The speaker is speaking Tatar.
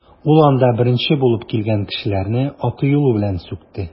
Ул анда беренче булып килгән кешеләрне аты-юлы белән сүкте.